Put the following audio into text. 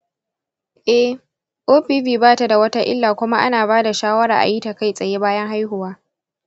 eh, opv ba tada wata illa kuma ana ba da shawarar a yi ta kai tsaye bayan haihuwa.